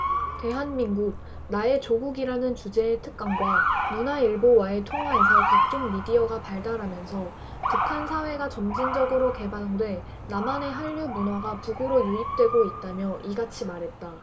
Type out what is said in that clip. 대한민국 나의 조국이라는 주제의 특강과 문화일보와의 통화에서 각종 미디어가 발달하면서 북한 사회가 점진적으로 개방돼 남한의 한류 문화가 북으로 유입되고 있다며 이같이 말했다